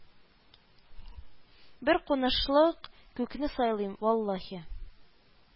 Бер кунышлык күкне сайлый, валлаһи